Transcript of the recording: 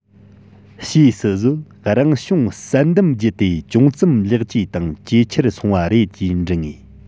ཕྱིས སུ གཟོད རང བྱུང བསལ འདེམས བརྒྱུད དེ ཅུང ཙམ ལེགས བཅོས དང ཇེ ཆེར སོང བ རེད ཅེས འདྲི ངེས